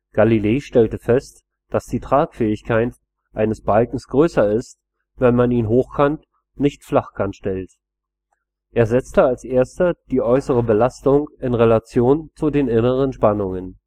Galilei stellte fest, dass die Tragfähigkeit eines Balkens größer ist, wenn man ihn hochkant, nicht flachkant stellt. Er setzte als erster die äußere Belastung in Relation zu den inneren Spannungen